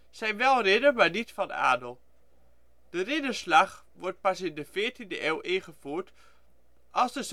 zijn wel ridder maar niet van adel. De ridderslag wordt pas in de veertiende eeuw ingevoerd, als de